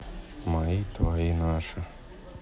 мои твои наши